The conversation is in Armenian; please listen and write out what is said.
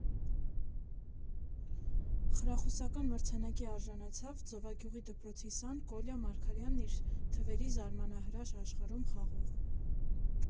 Խրախուսական մրցանակի արժանացավ Ծովագյուղի դպրոցի սան Կոլյա Մարգարյանն իր «Թվերի զարմանահրաշ աշխարհում» խաղով։